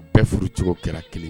Bɛɛ furucogo kɛra 1